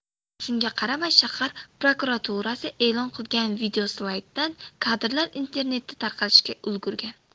shunga qaramay shahar prokuraturasi e'lon qilgan videoslayddan kadrlar internetda tarqalishga ulgurgan